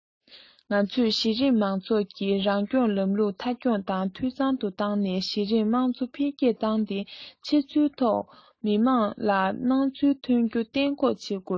ང ཚོས གཞི རིམ མང ཚོགས ཀྱི རང སྐྱོང ལམ ལུགས མཐའ འཁྱོངས དང འཐུས ཚང དུ བཏང ནས གཞི རིམ དམངས གཙོ འཕེལ རྒྱས བཏང སྟེ ཕྱི ཚུལ ཐོག མི དམངས ལ སྣང ཚུལ ཐོན རྒྱུ གཏན འགོག བྱེད དགོས